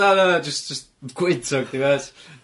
Na na na jyst jyst gwyntog t'mod?